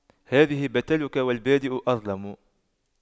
هذه بتلك والبادئ أظلم